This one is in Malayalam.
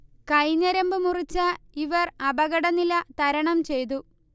കൈ ഞരമ്ബ് മുറിച്ച ഇവർ അപകടനില തരണം ചെയ്തു